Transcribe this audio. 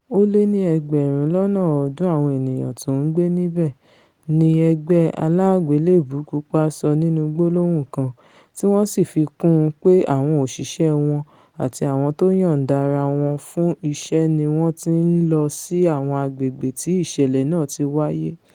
Ó lé ni ẹgbẹ̀run lọ́nà ọ̀ọ́dún àwọn ènìyàn tó ńgbé níbẹ̀, ni Ẹgbẹ́ Aláàgbéléèbú Pupa sọ nínú gbólóhùn kan, tí wọn sì fi kún un pe àwọn òṣìṣẹ́ wọn àti awọn tó yọ̀ǹda ara wọn fún iṣẹ́ niwọ́n ti ńlọ sí àwọn agbègbè̀ tí ìṣẹ̀lẹ̀ náà ti wáyé.